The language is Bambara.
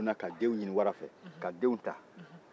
u donna ka denw ɲini wara fɛ ka denw ta